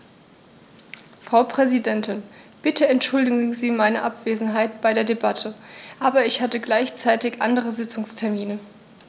Frau Präsidentin, bitte entschuldigen Sie meine Abwesenheit bei der Debatte, aber ich hatte gleichzeitig andere Sitzungstermine.